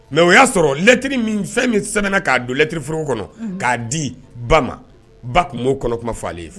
Mɛ o y'a sɔrɔ lɛt min fɛn min sɛbɛn'a donlɛttiriforo kɔnɔ k'a di ba ma ba tun'o kɔnɔ kuma falenlen ye